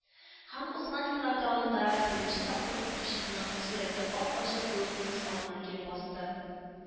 Һәм узган еллар дәвамында беренче тапкыр укытучысының сурәте ап-ачык булып күз алдына килеп басты